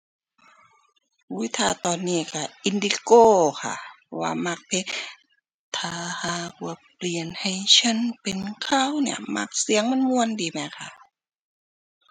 อุ๊ย ถ้าตอนนี้ก็ INDIGO ค่ะ เพราะว่ามักเพลง ถ้าหากว่าเปลี่ยนให้ฉันเป็นเขา เนี่ยมัก เสียงมันม่วนดีแหมค่ะ